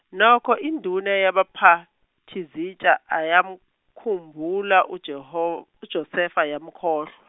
nokho induna yabaphathizitsha ayamkhumbula uJoho- uJosefa yamkhohlwa.